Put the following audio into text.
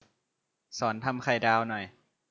สอนทำไข่ดาวหน่อย